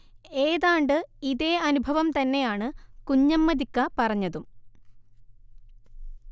ഏതാണ്ട് ഇതേ അനുഭവം തന്നെയാണ് കുഞ്ഞമ്മദിക്ക പറഞ്ഞതും